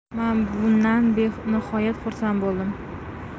men bundan benihoyat xursand bo'ldim